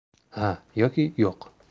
ha yoki yo'q